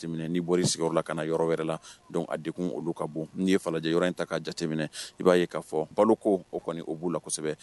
N'i bɔra sigiyɔrɔ la ka na yɔrɔ wɛrɛ la a de olu ka bɔ'i ye falajɛ yɔrɔ in ta' jateminɛ i b'a ye k'a fɔ balo ko o kɔni b'u la kosɛbɛ